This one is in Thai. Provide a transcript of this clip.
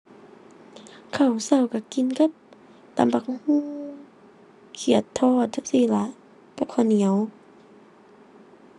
ข้าวเช้าเช้ากินกับตำบักหุ่ง เขียดทอดจั่งซี้ล่ะ กับข้าวเหนียว